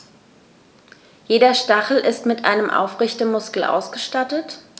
Jeder Stachel ist mit einem Aufrichtemuskel ausgestattet.